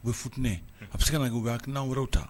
U bɛ fit a bɛ se ka na u bɛ a n' wɛrɛ ta